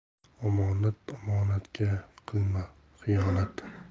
omonat omonatga qilma xiyonat